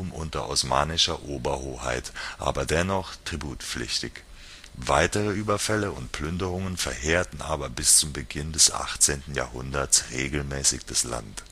unter osmanischer Oberhoheit, aber dennoch tributpflichtig. Weitere Überfälle und Plünderungen verheerten aber bis zum Beginn des 18. Jahrhunderts regelmäßig das Land